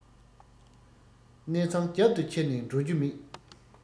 གནས ཚང རྒྱབ ཏུ འཁྱེར ནས འགྲོ རྒྱུ མེད